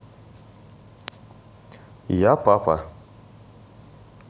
я папа